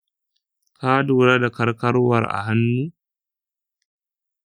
ka lura da karkarwar a hannu?